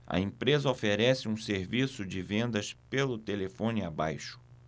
a empresa oferece um serviço de vendas pelo telefone abaixo